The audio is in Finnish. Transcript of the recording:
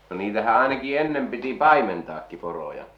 no niitähän ainakin ennen piti paimentaakin poroja